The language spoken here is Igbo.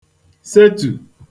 setu